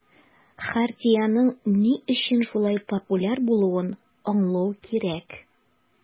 Хартиянең ни өчен шулай популяр булуын аңлау кирәк.